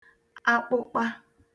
akpụkpa